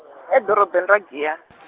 edorobeni ra Giyani .